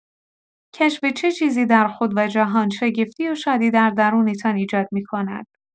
کشف چه چیزی در خود و جهان، شگفتی و شادی در درونتان ایجاد می‌کند؟